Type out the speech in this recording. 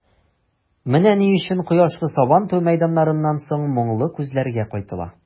Менә ни өчен кояшлы Сабантуй мәйданнарыннан соң моңлы күзләргә кайтыла.